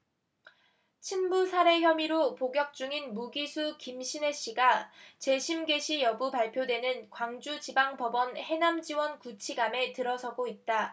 친부 살해 혐의로 복역 중인 무기수 김신혜씨가 재심 개시 여부 발표되는 광주지방법원 해남지원 구치감에 들어서고 있다